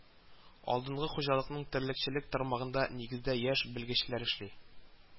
Алдынгы хуҗалыкның терлекчелек тармагында нигездә, яшь белгечләр эшли